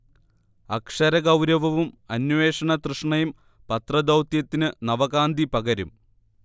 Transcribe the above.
അക്ഷരഗൗരവവും അന്വേഷണ തൃഷ്ണയും പത്ര ദൗത്യത്തിന് നവകാന്തി പകരും